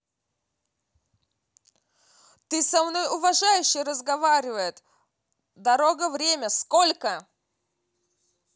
ты со мной уважающе разговаривает дорога время сколько